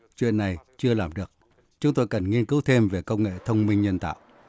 chuyện này chưa làm được chúng tôi cần nghiên cứu thêm về công nghệ thông minh nhân tạo